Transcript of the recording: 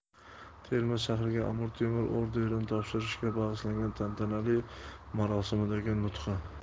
termiz shahriga amir temur ordenini topshirishga bag'ishlangan tantanali marosimdagi nutq